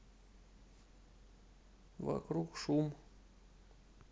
вокруг шум